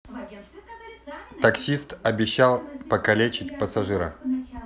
таксист обещал покалечить пассажира